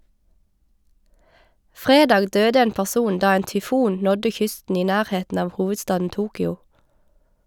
Fredag døde en person da en tyfon nådde kysten i nærheten av hovedstaden Tokyo.